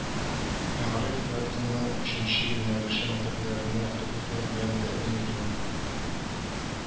Мәгариф проектының өченче юнәлеше мәктәпләрне автобуслар белән тәэмин итү